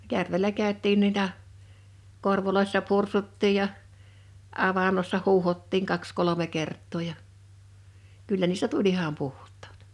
järvellä käytiin noita korvoissa pursuttiin ja avannossa huuhdottiin kaksi kolme kertaa ja kyllä niistä tuli ihan puhtaat